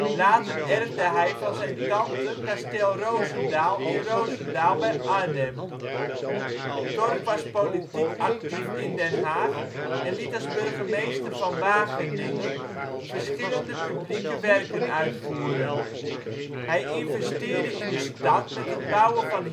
Later erfde hij van zijn tante kasteel Rosendael in Rozendaal bij Arnhem. Torck was politiek actief in Den Haag en liet als burgemeester van Wageningen verschillende publieke werken uitvoeren. Hij investeerde in de stad met het bouwen van herenhuizen